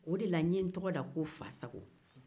o de la n ye n tɔgɔ da ko fasago